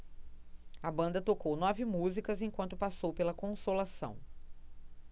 a banda tocou nove músicas enquanto passou pela consolação